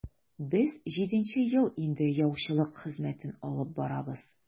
Без җиденче ел инде яучылык хезмәтен алып барабыз.